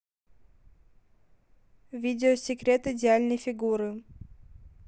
видео секрет идеальной фигуры